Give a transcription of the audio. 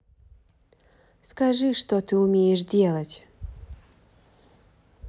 скажи что ты умеешь делать